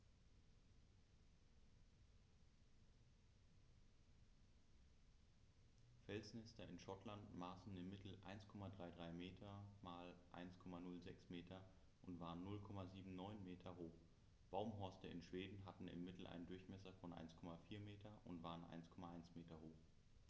Felsnester in Schottland maßen im Mittel 1,33 m x 1,06 m und waren 0,79 m hoch, Baumhorste in Schweden hatten im Mittel einen Durchmesser von 1,4 m und waren 1,1 m hoch.